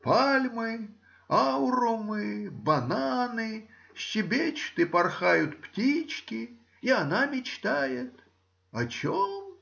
пальмы, аурумы, бананы, щебечут и порхают птички, и она мечтает. О чем?